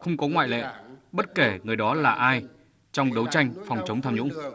không có ngoại lệ bất kể người đó là ai trong đấu tranh phòng chống tham nhũng